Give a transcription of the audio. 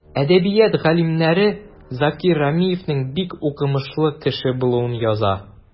Әдәбият галимнәре Закир Рәмиевнең бик укымышлы кеше булуын яза.